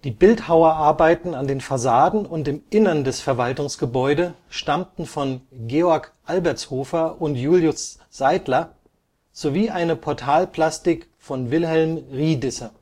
Bildhauerarbeiten an den Fassaden und im Inneren des Verwaltungsgebäudes stammten von Georg Albertshofer und Julius Seidler sowie eine Portalplastik von Wilhelm Riedisser